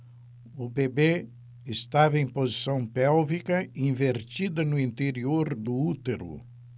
o bebê estava em posição pélvica invertida no interior do útero